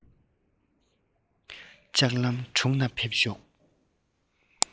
ལྕམ ལགས གྲུང ན ཕེབས ཤོག